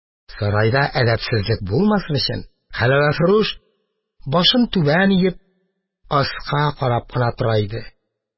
Сарайда әдәпсезлек булмасын өчен, хәлвәфрүш башын түбән иеп, аска карап кына тора иде.